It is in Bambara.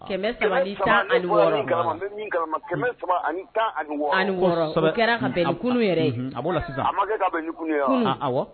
1580 n bɔla , n bɛ min kalama,1580, ani 60 , kosɔbɔ, o kɛra ka bɛn ni kunun yɛrɛ ye, a ma kɛ kunun ye, unhun, wa?a ma kɛ ka bɛn ni kunun